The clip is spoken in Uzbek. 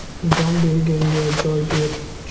jon berganga joy ber